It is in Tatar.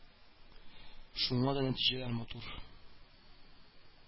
Шуңа да нәтиҗәләр матур